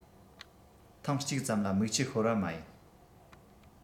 ཐེངས གཅིག ཙམ ལ མིག ཆུ ཤོར བ མ ཡིན